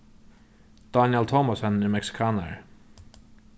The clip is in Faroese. dánjal thomassen er meksikanari